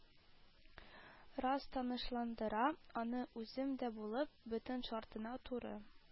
Раз тынычландыра: аны, үзем дә булып, бөтен шартына туры